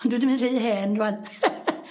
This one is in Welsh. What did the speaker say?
Ond dwi 'di mynd rhy hen rŵan.